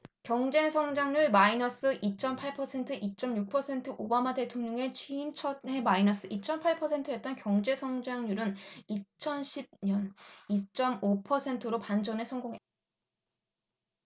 경제성장률 마이너스 이 쩜 팔 퍼센트 이 쩜 육 퍼센트 오바마 대통령의 취임 첫해 마이너스 이 쩜 팔 퍼센트였던 경제 성장률은 이천 십 년 이 쩜 오 퍼센트로 반전에 성공했다